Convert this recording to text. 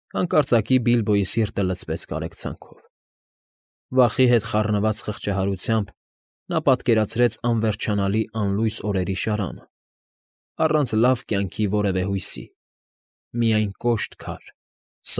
Հանկարծակի Բիլբոյի սիրտը լցվեց կարեկցանքով, վախի հետ խառնված խղճահարությամբ, նա պատկերացրեց անվերջանալի անլույս օրերի շարանը, առանց լավ կյանքի որևէ հույսի՝ միայն կոշտ քար,